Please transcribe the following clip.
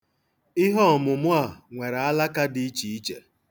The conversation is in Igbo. Ihe ọmụmụ a nwere alaka dị iche iche.